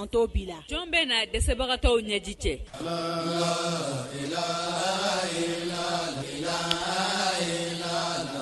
An to bila. Jɔn bɛ na dɛsɛbagatɔw ɲɛji cɛ?